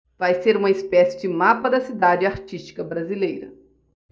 vai ser uma espécie de mapa da cidade artística brasileira